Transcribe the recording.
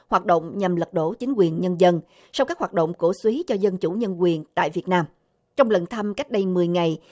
hoạt động nhằm lật đổ chính quyền nhân dân sau các hoạt động cổ súy cho dân chủ nhân quyền tại việt nam trong lần thăm cách đây mười ngày